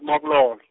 Marble Hall .